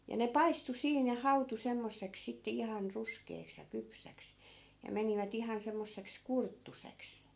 ja ne paistui siinä ja hautui semmoiseksi sitten ihan ruskeaksi ja kypsäksi ja menivät ihan semmoiseksi kurttuiseksi